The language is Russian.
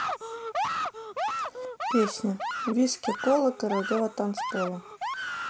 песня виски кола королева танцпола